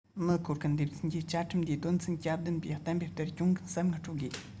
མི བཀོལ མཁན སྡེ ཚན གྱིས བཅའ ཁྲིམས འདིའི དོན ཚན གྱ བདུན པའི གཏན འབེབས ལྟར གྱོང གུན གསབ དངུལ སྤྲོད དགོས